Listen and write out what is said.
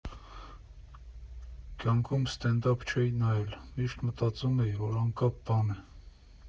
Կյանքում ստենդափ չէի նայել, միշտ մտածում էի, որ անկապ բան է։